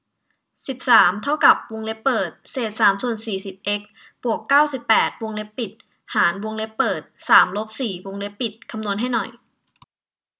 สิบสามเท่ากับวงเล็บเปิดเศษสามส่วนสี่สิบเอ็กซ์บวกเก้าสิบแปดวงเล็บปิดหารวงเล็บเปิดสามลบสี่วงเล็บปิดคำนวณให้หน่อย